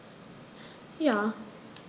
Ja.